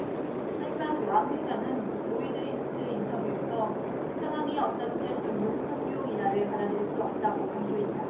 하지만 왕 회장은 로이드리스트 인터뷰에서 상황이 어떻든 용선료 인하를 받아들일 수 없다고 강조했다